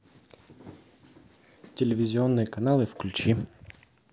телевизионные каналы включи